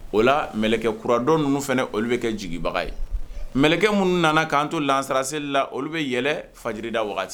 O la mɛlɛkɛ kura dɔ ninnu fana olu bɛ kɛ jigibaga ye, mɛlɛkɛ minnu nana kan to lansaraseli la olu bɛ yɛlɛ fajiri da waati.